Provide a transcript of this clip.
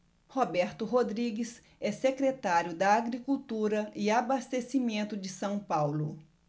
roberto rodrigues é secretário da agricultura e abastecimento de são paulo